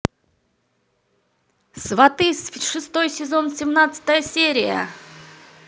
сваты шестой сезон семнадцатая серия